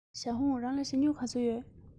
ཞའོ ཧུང རང ལ ཞྭ སྨྱུག ག ཚོད ཡོད